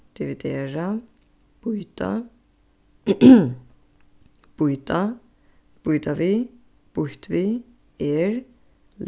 dividera býta býta býta við býtt við er